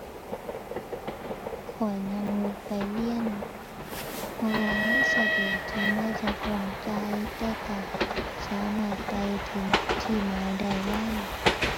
ข้อยนั่งรถไปเรียน เพราะว่ามันสะดวกถึงแม้จะต้องจ่าย แต่ก็สามารถไปถึงที่หมายได้ไว